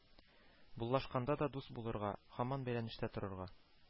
Буллашканда да дус булырга, һаман бәйләнештә торырга